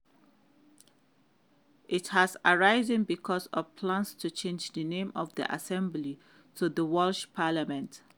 It has arisen because of plans to change the name of the assembly to the Welsh Parliament.